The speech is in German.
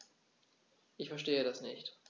Ich verstehe das nicht.